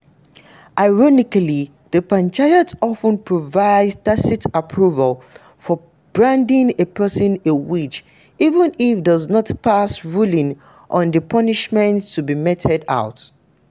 Ironically, the panchayat often provides tacit approval for branding a person a witch even if does not pass ruling on the punishment to be meted out.